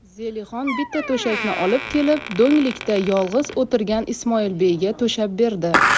zelixon bitta to'shakni olib kelib do'nglikda yolg'iz o'tirgan ismoilbeyga to'shab berdi